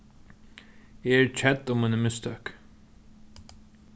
eg eri kedd um míni mistøk